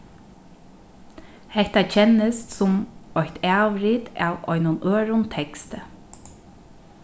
hetta kennist sum eitt avrit av einum øðrum teksti